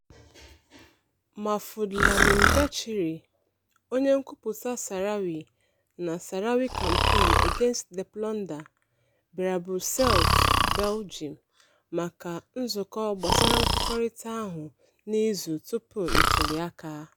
Mahfoud Lamin Bechri, onye nkwupụta Sahrawi na Sahrawi Campaign Against the Plunder (SCAP), bịara Brussels, Belgium, maka nzukọ gbasara nkwekọrịta ahụ n'izu tupu ntuliaka.